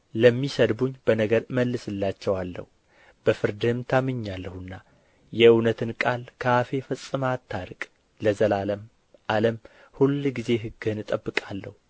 ለሚሰድቡኝ በነገር እመልስላቸዋለሁ በፍርድህም ታምኛለሁና የእውነትን ቃል ከአፌ ፈጽመህ አታርቅ ለዘላለም ዓለም ሁልጊዜ ሕግህን እጠብቃለሁ